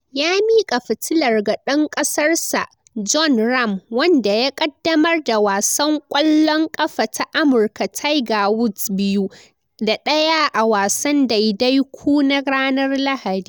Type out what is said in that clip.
Ya mika fitilar ga dan kasarsa, John Ram, wanda ya kaddamar da wasan kwallon kafa ta Amurka Tiger Woods 2 & 1 a wasan daidaiku na ranar Lahadi.